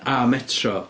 A Metro.